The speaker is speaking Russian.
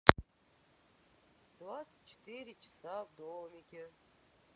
двадцать четыре часа в домике